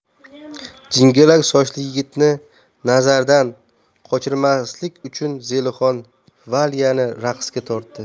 jingalak sochli yigitni nazardan qochirmaslik uchun zelixon valyani raqsga tortdi